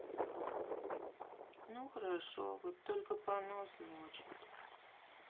ну хорошо вот только понос мочит